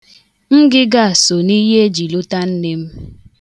Ngịga a so na ihe eji lụta nne m.